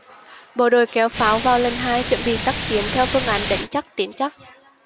bộ đội kéo pháo vào lần hai chuẩn bị tác chiến theo phương án đánh chắc tiến chắc